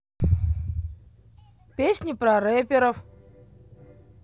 песни про рэперов